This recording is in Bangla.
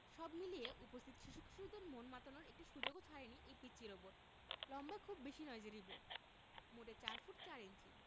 সব মিলিয়ে উপস্থিত শিশু কিশোরদের মন মাতানোর একটি সুযোগও ছাড়েনি এই পিচ্চি রোবট লম্বায় খুব বেশি নয় যে রিবো মোটে ৪ ফুট ৪ ইঞ্চি